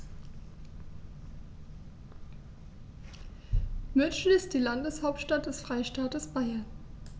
München ist die Landeshauptstadt des Freistaates Bayern.